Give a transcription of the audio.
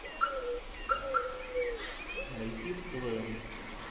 найти квн